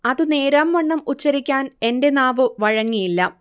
അതു നേരാംവണ്ണം ഉച്ചരിക്കാൻ എൻെറ നാവു വഴങ്ങിയില്ല